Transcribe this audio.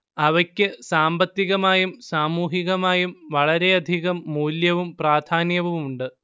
അവയ്ക്ക് സാമ്പത്തികമായും സാമൂഹികമായും വളരെയധികം മൂല്യവും പ്രാധാന്യവുമുണ്ട്